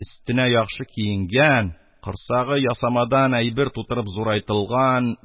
Өстенә яхшы киенгән, корсагы ясамадан әйбер тутырып зурайтылган